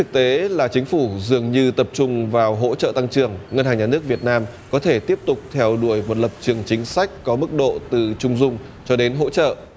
thực tế là chính phủ dường như tập trung vào hỗ trợ tăng trưởng ngân hàng nhà nước việt nam có thể tiếp tục theo đuổi một lập trường chính sách có mức độ từ trung dung cho đến hỗ trợ